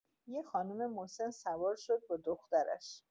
یه خانم مسن سوار شد با دخترش.